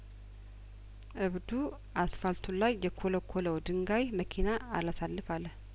እብዱ አስፋልቱ ላይ የኰለኰ ለው ድንጋይ መኪና አላሳልፍ አለ